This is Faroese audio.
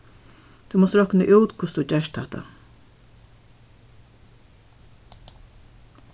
tú mást rokna út hvussu tú gert hatta